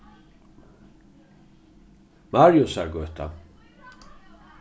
mariusargøta